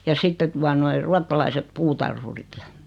ja sitten tuota noin ruotsalaiset puutarhurit ja